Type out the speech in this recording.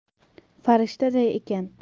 farishtaday ekan